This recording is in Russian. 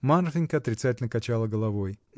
Марфинька отрицательно качала головой.